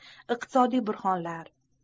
iqtisodiy buhronlar